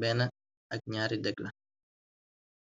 benn ak ñaari deg la.